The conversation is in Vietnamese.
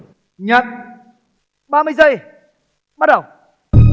nhận ba mươi giây bắt đầu